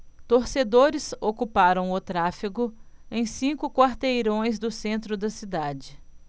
torcedores ocuparam o tráfego em cinco quarteirões do centro da cidade